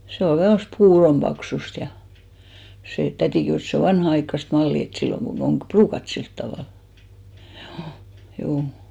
se oli vähän semmoista puuron paksuista ja se täti kehui että se on vanhanaikaista mallia että silloin kun on ruukattu sillä tavalla juu juu